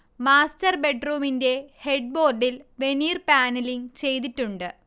master ബെഡ്റൂമിന്റെ head ബോർഡിൽ veneer panelling ചെയ്തിട്ടുണ്ട്